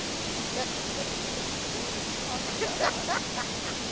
Ma' rhywun yn recordio hwn .